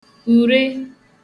ùre